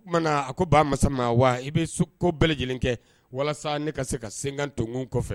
O kumana a ko ba ma ma wa i bɛ su ko bɛɛ lajɛlen kɛ walasa ne ka se ka senkan tonkun kɔfɛ